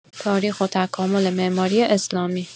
تاریخ و تکامل معماری اسلامی